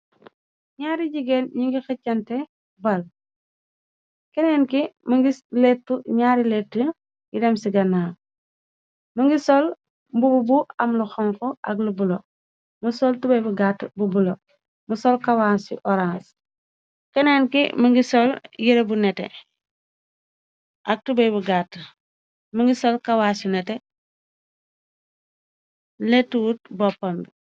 Naari jigéen ñi ngi xëccante ball, keneen ki gi ñaari lettu yi dem ci gannaaw. Mungi sol mbubu bu am lu xonk ak lu bulo, mu sol tube bu gàtt bu bulo, mu sol kawaa ci orange, keneen ki mungi sol yere bu nete ak tube bu gat. Mungi sol kawaasu nete, lettuut boppam bi.